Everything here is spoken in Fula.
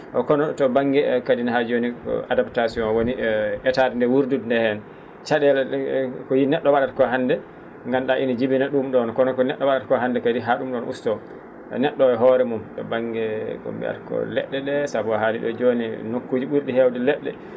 kono to ba?nge kadi ne haa jooni ko adaptation woni etaade nde wuurdude nde heen ca?eele ko ne??o wa?ata koo hannde nganndu?aa ene jibina ?um ?on kono ko ne??o wa?ata koo hannde kadi haa ?um ?oon ustoo ne??o o e hoore mum to ba?nge ko ?e mbiyata ko le??e ?e sabu a haalii ?o jooni nokkuuji ?ur?i heewde le??e